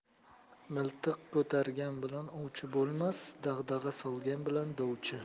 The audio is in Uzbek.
miltiq ko'targan bilan ovchi bo'lmas dag'dag'a solgan bilan dovchi